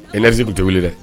I nez tɛ wuli dɛ